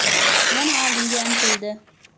yana oldinga intildi